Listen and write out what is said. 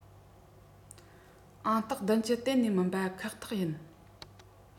ཨང རྟགས ༧༠ གཏན ནས མིན པ ཁག ཐག ཡིན